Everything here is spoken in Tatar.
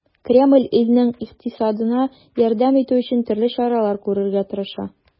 Кремль илнең икътисадына ярдәм итү өчен төрле чаралар күрергә тырыша.